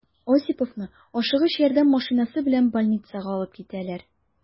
Осиповны «Ашыгыч ярдәм» машинасы белән больницага алып китәләр.